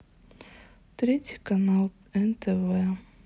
третий канал нтв